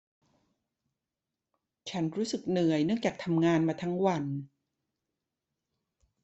ฉันรู้สึกเหนื่อยเนื่องจากทำงานมาทั้งวัน